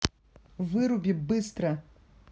выруби быстро